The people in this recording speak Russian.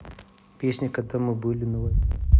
песня когда мы были на войне